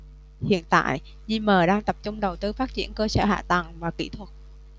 hiện tại gm đang tập trung đầu tư phát triển cơ sở hạ tầng và kỹ thuật